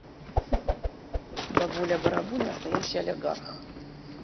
бабуля барабуля настоящий олигарх